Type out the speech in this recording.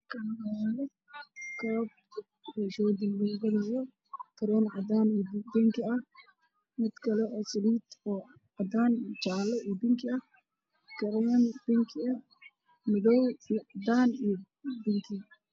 Meeshaan waa meel shoobin lugu gadaayo kareem cadaan iyo bingi ah ayaa yaalo, mid saliid oo cadaan iyo bingi ah, kareem bingi ah, madow, cadaan iyo bingi.